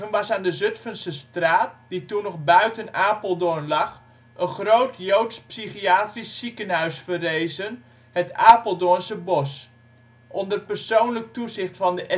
was aan de Zutphense straat, die toen nog buiten Apeldoorn lag, een groot Joods psychiatrisch ziekenhuis verrezen, het Apeldoornsche Bosch. Onder persoonlijk toezicht van de